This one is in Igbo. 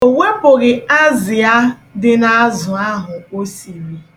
O wepụghị azịa dị n'azụ ahụ o siri.